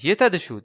yetadi shu